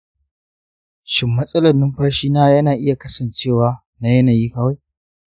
shin matsalar numfashina yana iya kasancewa na yanayi kawai ?